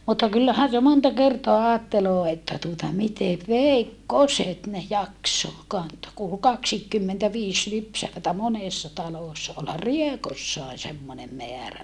mutta kyllähän se monta kertaa ajattelee että tuota miten veikkoset ne jaksoi kantaa kun oli kaksikinkymmentäviisi lypsävää monessa talossa olihan Riekossakin semmoinen määrä